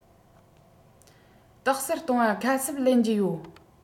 རྟགས གསལ གཏོང བ ཁ གསབ ལེན རྒྱུ ཡོད